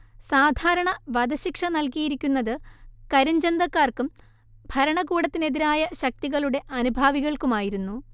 സാധാരണ വധശിക്ഷ നൽകിയിരിക്കുന്നത് കരിഞ്ചന്തക്കാർക്കും ഭരണകൂടത്തിനെതിരായ ശക്തികളുടെ അനുഭാവികൾക്കുമായിരുന്നു